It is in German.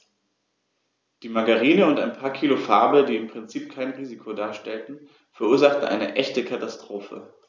Die Margarine und ein paar Kilo Farbe, die im Prinzip kein Risiko darstellten, verursachten eine echte Katastrophe.